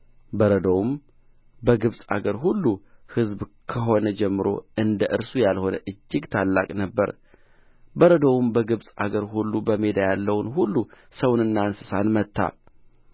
በረዶውም በግብፅ አገር ሁሉ ሕዝብ ከሆነ ጀምሮ እንደ እርሱ ያልሆነ እጅግ ታላቅ ነበረ በረዶውም በግብፅ አገር ሁሉ በሜዳ ያለውን ሁሉ ሰውንና እንስሳን መታ